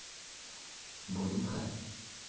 Бу ни хәл!